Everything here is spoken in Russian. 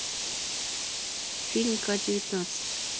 фильм ка девятнадцать